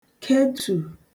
ketù